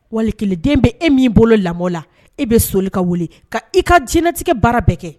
Walikelen den bɛ e min bolo lamɔ la e bɛ soli ka wuli ka i ka jinɛ latigɛ baara bɛɛ kɛ